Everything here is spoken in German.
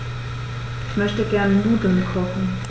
Ich möchte gerne Nudeln kochen.